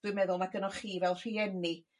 dwi'n meddwl ma' gynoch chi fel rhieni